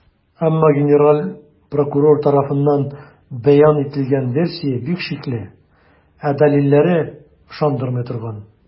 Әмма генераль прокурор тарафыннан бәян ителгән версия бик шикле, ә дәлилләре - ышандырмый торган.